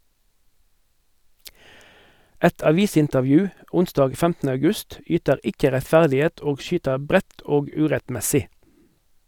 Et avisintervju (onsdag 15. august) yter ikke rettferdighet og skyter bredt og urettmessig.